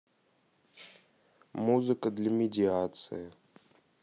музыка для медиации